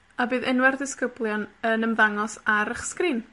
A bydd enwe'r ddisgyblion yn ymddangos ar 'ych sgrin.